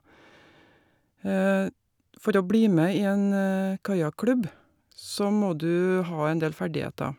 For å bli med i en kajakklubb så må du ha en del ferdigheter.